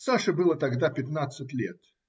Саше было тогда пятнадцать лет.